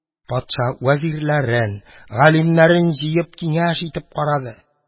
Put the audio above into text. Патша вәзирләрен, галимнәрен җыеп киңәш итеп карады.